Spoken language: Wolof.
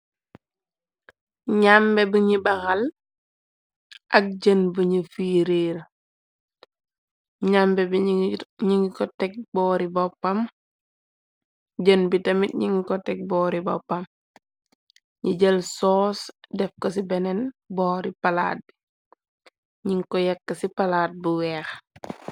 Nyambe biñu baxal ak jën bu ñu fii riir nyambe bi ngi bubpam jën bi tamit ñingi ko teg boori boppam ñi jël soos def ko ci beneen boori palaat bi ñin ko yekk ci palaat bu weex.